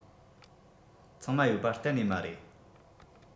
ཚང མ ཡོད པ གཏན ནས མ རེད